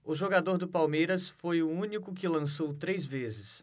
o jogador do palmeiras foi o único que lançou três vezes